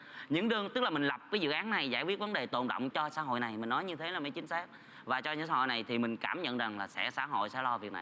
những đường tức là mình lập với dự án này giải quyết vấn đề tồn đọng cho xã hội này mà nói như thế là mì chính xác và cho biết họ này thì mình cảm nhận rằng là sẽ xã hội sẽ lo việc này